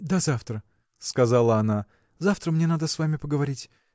– До завтра, – сказала она, – завтра мне надо с вами поговорить